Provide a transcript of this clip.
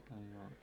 ei ollut